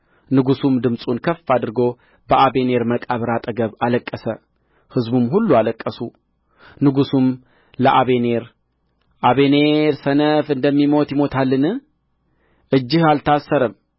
ንጉሡም ድምፁን ከፍ አድርጎ በአበኔር መቃብር አጠገብ አለቀሰ ሕዝቡም ሁሉ አለቀሱ ንጉሡም ለአበኔር አበኔር ሰነፍ እንደሚሞት ይምታልን እጅህ አልታሰረም